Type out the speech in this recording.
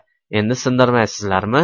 endi sindirmaysizlarmi